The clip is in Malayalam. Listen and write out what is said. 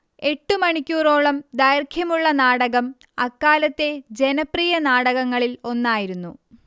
എട്ടുമണിക്കൂറോളം ദൈർഘ്യമുള്ള നാടകം അക്കാലത്തെ ജനപ്രിയ നാടകങ്ങളിൽ ഒന്നായിരുന്നു